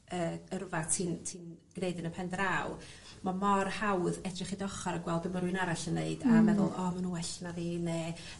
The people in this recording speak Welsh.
yy yrfa ti'n ti'n gneud yn y pendraw ma' mor hawdd edrych i dy ochor a gweld be' ma' rywun arall yn neud... Hmm. ...a meddwl o ma' n'w well na fi ne'